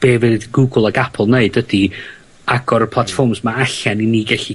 be' fydd Google ag Apple neud yd agor y platforms 'ma allan i ni gellu